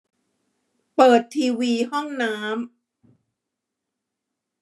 เปิดทีวีห้องน้ำ